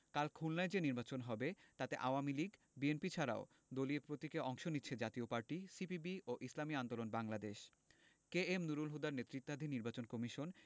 কাল খুলনায় যে নির্বাচন হবে তাতে আওয়ামী লীগ বিএনপি ছাড়াও দলীয় প্রতীকে অংশ নিচ্ছে জাতীয় পার্টি সিপিবি ও ইসলামী আন্দোলন বাংলাদেশ কে এম নুরুল হুদার নেতৃত্বাধীন নির্বাচন কমিশন